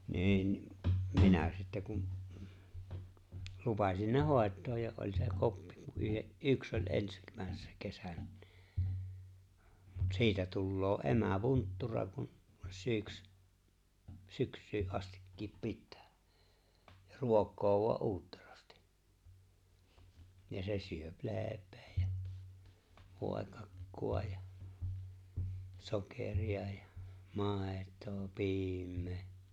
niin minä sitten kun lupasin ne hoitaa ja oli se oppi kun yhden yksi oli - ensimmäisenä kesänä niin mutta siitä tulee emä vunttura kun - syksyyn astikin pitää ja ruokkii vain uutterasti ja se syö leipää ja voikakkua ja sokeria ja maitoa piimää